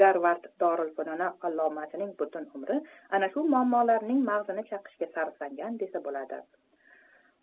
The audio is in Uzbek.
garvard dorilfununi allomasining butun umri ana shu muammolarning mag'zini chaqishga sarflangan desa bo'ladi